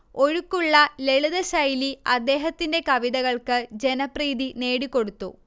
ഒഴുക്കുള്ള ലളിതശൈലി അദ്ദേഹത്തിന്റെ കവിതകൾക്ക് ജനപ്രീതി നേടിക്കൊടുത്തു